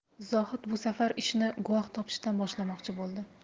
zohid bu safar ishni guvoh topishdan boshlamoqchi bo'ldi